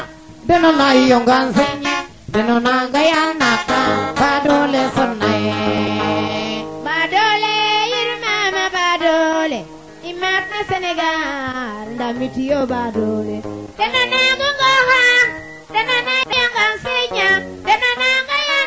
i comme nanam a faax faaka leyoogel im dama ke leyogeena xaƴa leŋ leŋ teen a jagay naaga ke damooguna waaguma o ley teen iyo i leya nga a météo ndiiki a jegu ndax meteo o toubab oxe ten mbisiidun